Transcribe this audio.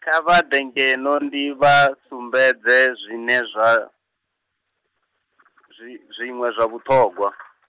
kha vha ḓe ngeno ndi vha sumbedze zwiṅwe zwa, zwi- zwiṅwe zwa vhuṱhogwa.